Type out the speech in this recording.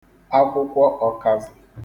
akwụkwọ ọ̀kazị̄